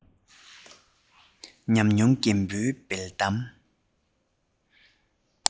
ཉམས མྱོང རྒན པོའི འབེལ གཏམ